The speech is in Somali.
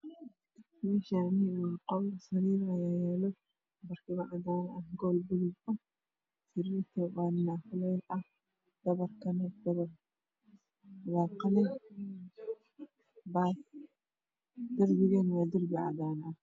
Meshani wa qol sariirda ayayalo barkiman cadan ah go bulug ah sarirta nanac kulel ah dhabarka waa qalin darbiga waa derbi cadan ah